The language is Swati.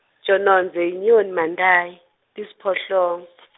Tjonodze yinyoni Mantayi, tisiphohlongo .